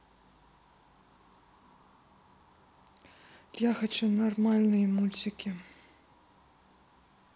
я хочу нормальные мультики